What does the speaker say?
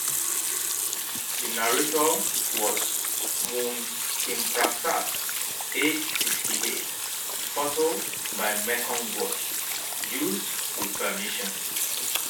The narrator was Mun Kimprasert, aged 68, photo by Mekong Watch, used with permission.